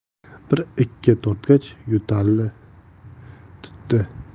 bir ikki tortgach yo'tali tutdi